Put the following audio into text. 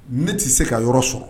N tɛ se ka yɔrɔ sɔrɔ